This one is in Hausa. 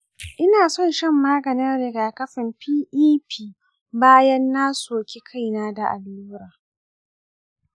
ina son shan maganin rigakafin pep bayan na soki kaina da allura.